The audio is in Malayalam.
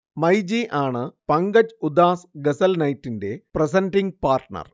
മൈജി ആണ് പങ്കജ് ഉധാസ് ഗസൽ നൈറ്റിന്റെ പ്രസന്റിംഗ് പാർട്ണർ